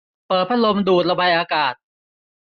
เปิดพัดลมดูดระบายอากาศ